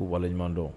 K'u waleɲuman dɔn.